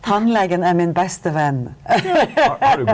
tannlegen er min beste venn .